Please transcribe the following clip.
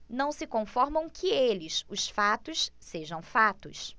não se conformam que eles os fatos sejam fatos